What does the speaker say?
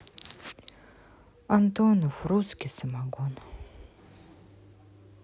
антонов русский самогон